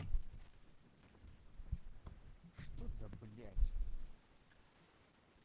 что за блядь